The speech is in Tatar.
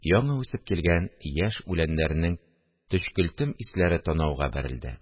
Яңа үсеп килгән яшь үләннәрнең төчкелтем исләре танауга бәрелде